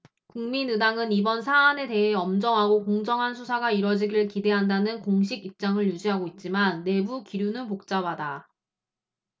국민의당은 이번 사안에 대해 엄정하고 공정한 수사가 이뤄지길 기대한다는 공식 입장을 유지하고 있지만 내부 기류는 복잡하다